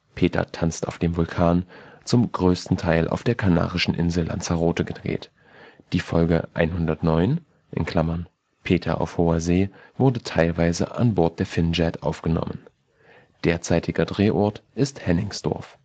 Peter tanzt auf dem Vulkan) zum größten Teil auf der kanarischen Insel Lanzarote gedreht. Die Folge 109 (Peter auf hoher See) wurde teilweise an Bord der Finnjet aufgenommen. Derzeitiger Drehort ist Hennigsdorf